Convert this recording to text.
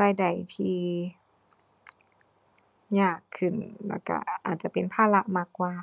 รายได้ที่ยากขึ้นแล้วก็อาจจะเป็นภาระมากกว่า